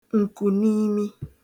nkùnimi